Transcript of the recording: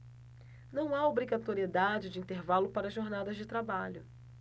não há obrigatoriedade de intervalo para jornadas de trabalho